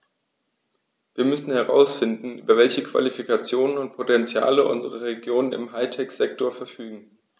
Wir müssen herausfinden, über welche Qualifikationen und Potentiale unsere Regionen im High-Tech-Sektor verfügen.